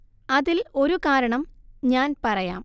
അതില്‍ ഒരു കാരണം ഞാന്‍ പറയാം